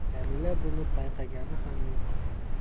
jamila buni payqagani ham yo'q